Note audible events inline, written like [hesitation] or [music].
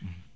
[hesitation] [hesitation]